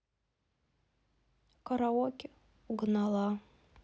караоке угнала